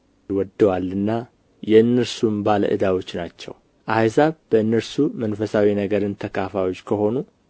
ወደዋልና የእነርሱም ባለ ዕዳዎች ናቸው አሕዛብ በእነርሱ መንፈሳዊ ነገርን ተካፋዮች ከሆኑ